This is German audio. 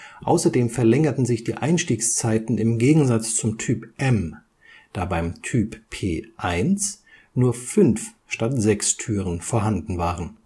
Außerdem verlängerten sich die Einstiegszeiten im Gegensatz zum Typ M, da beim Typ P 1 nur fünf statt sechs Türen vorhanden waren